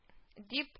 Дип